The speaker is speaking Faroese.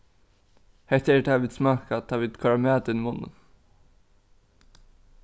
hetta er tað vit smakka tá vit koyra mat inn í munnin